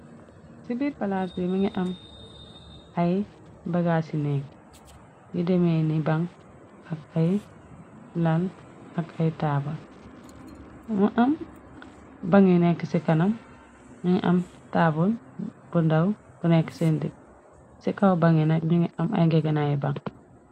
ci biir palaas bi mi ngi am ay bagaas ci nekki yi demee ni baŋ ak ay lal ak ay taabal mu am bangi nekk ci kanam mu ngi am taabal bu ndaw bu nekk seen dig ci kaw bangi nak ñu ngi am ay ngegnayu baŋ